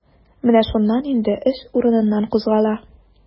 Менә шуннан инде эш урыныннан кузгала.